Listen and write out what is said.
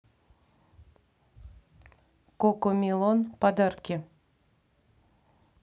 кокомелон подарки